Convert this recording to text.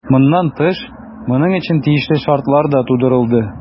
Моннан тыш, моның өчен тиешле шартлар да тудырылды.